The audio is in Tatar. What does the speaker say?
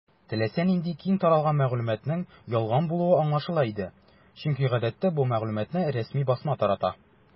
Теләсә нинди киң таралган мәгълүматның ялган булуы аңлашыла иде, чөнки гадәттә бу мәгълүматны рәсми басма тарата.